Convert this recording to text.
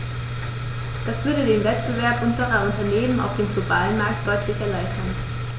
Das würde den Wettbewerb unserer Unternehmen auf dem globalen Markt deutlich erleichtern.